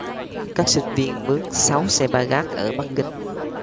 các sinh viên mướn sáu xe ba gác ở bắc kinh